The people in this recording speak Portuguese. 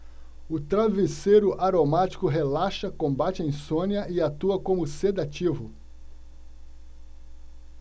o travesseiro aromático relaxa combate a insônia e atua como sedativo